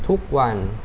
ทุกวัน